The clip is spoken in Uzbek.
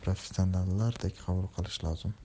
professionallardek qabul qilish lozim